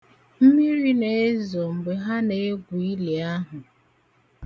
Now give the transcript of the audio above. Mmiri na-ezo mgbe ha na-egwu ili ahụ.